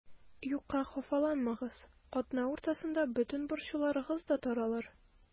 Юкка хафаланмагыз, атна уртасында бөтен борчуларыгыз да таралыр.